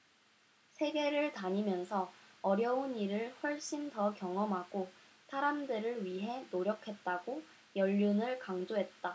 세계를 다니면서 어려운 일을 훨씬 더 경험하고 사람들을 위해 노력했다고 연륜을 강조했다